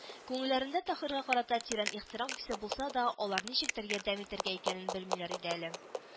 Күңелләрендә Таһирга карата тирән ихтирам хисе булса да алар ничек ярдәм итәргә икәнен белмиләр иде әле